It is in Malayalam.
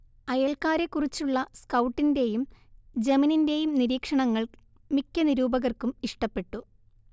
അയൽക്കാരെക്കുറിച്ചുള്ള സ്കൗട്ടിന്റെയും ജെമിനിന്റെയും നിരീക്ഷണങ്ങൾ മിക്ക നിരൂപകർക്കും ഇഷ്ടപ്പെട്ടു